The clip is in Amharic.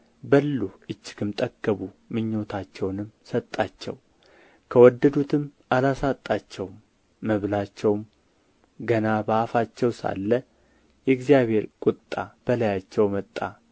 በሉ እጅግም ጠገቡ ምኞታቸውንም ሰጣቸው ከወደዱትም አላሳጣቸውም መብላቸውም ገና በአፋቸው ሳለ የእግዚአብሔር ቍጣ በላያቸው መጣ